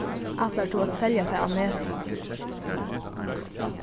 ætlar tú at selja tað á netinum